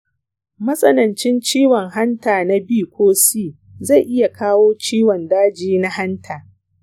matsanancin ciwon hanta na b ko c zai iya kawo ciwon daji na hanta.